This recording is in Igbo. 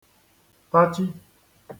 tachī